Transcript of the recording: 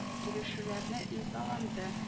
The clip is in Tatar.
Килешүләрне имзаланды